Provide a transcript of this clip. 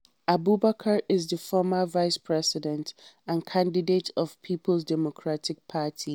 Abubakar is the former vice president and candidate of the Peoples Democratic Party.